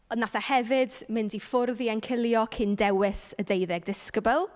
Wnaeth e hefyd mynd i ffwrdd i encilio cyn dewis y deuddeg disgybl.